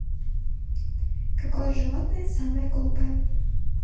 какое животное самое глупое